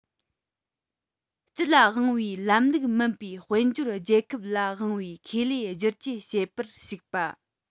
སྤྱི ལ དབང བའི ལམ ལུགས མིན པའི དཔལ འབྱོར རྒྱལ ཁབ ལ དབང བའི ཁེ ལས བསྒྱུར བཅོས བྱེད པར ཞུགས པ